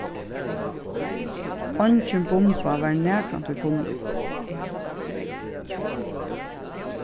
eingin bumba varð nakrantíð funnin